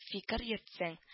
Фикер йөртсәң